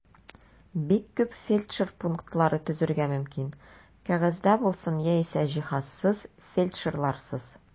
Бик күп фельдшер пунктлары төзергә мөмкин (кәгазьдә булсын яисә җиһазсыз, фельдшерларсыз).